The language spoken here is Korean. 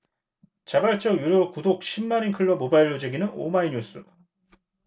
자발적 유료 구독 십 만인클럽 모바일로 즐기는 오마이뉴스